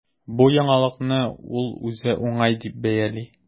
Бу яңалыкны ул үзе уңай дип бәяли.